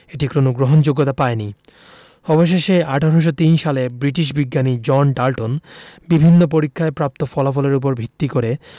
এটি কোনো গ্রহণযোগ্যতা পায়নি অবশেষে ১৮০৩ সালে ব্রিটিশ বিজ্ঞানী জন ডাল্টন বিভিন্ন পরীক্ষায় প্রাপ্ত ফলাফলের উপর ভিত্তি করে